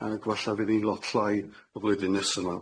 Ag falla fydd hi'n lot llai y flwyddyn nesa 'ma.